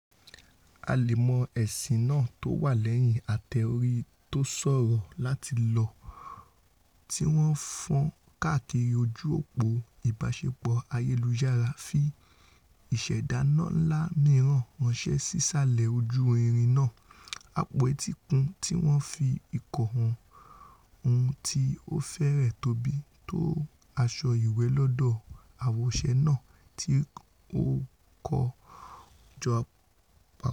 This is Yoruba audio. Àlẹ̀mọ́ ẹ̀ṣìn náà tówà lẹ́yìn ate-ori tóṣòro láti lò tíwọ́n fọ́n káàkiri ojú-òpò ìbáṣepọ̀ ayelujara fi ìṣẹ̀dá ńlá mìíràn rańṣẹ́ sísàlẹ̀ ojú ìrìn náá - àpò etíkun tíwọ́n fi ìko hun tí ó fẹ́rẹ̀ tóbi tó asọ ìwẹ̀lódò àwòṣe náà tí ó kó o jọ papọ̀.